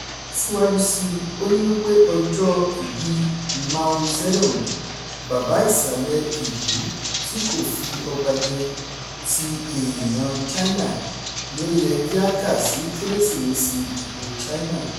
Síwájú sí i, ó ní wípé ọjọ́ ìbíi Mao Zedong, bàbá ìsàlẹ̀ Ìlú-tí-kò-fi-ọba-jẹ ti Èèyàn-an China, ni ó yẹ kí a kà sí Kérésìmesì ìlú China: